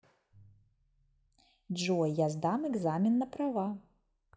джой я сдам экзамен на права